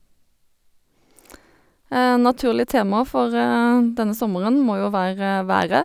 Naturlig tema for denne sommeren må jo være været.